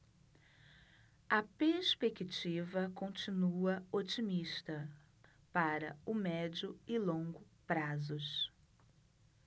a perspectiva continua otimista para o médio e longo prazos